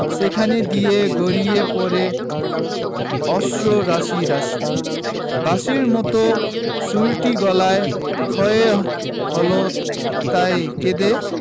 সেখান দিয়ে গড়িয়ে পড়ে অশ্রু রাশি রাশি বাঁশির মতো সুরটি গলায় ক্ষয় হল তাই কেঁদে